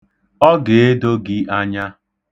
Ọ ga-edo gị anya.